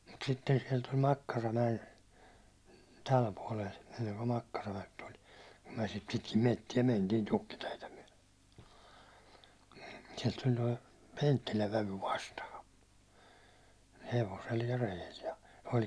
mutta sitten siellä tuli Makkaramäen tälle puolelle ennen kuin Makkaramäki tuli kun me sitten pitkin metsiä mentiin tukkiteitä myöten sieltä tuli tuo Penttilän vävy vastaan hevosella ja reellä ja oli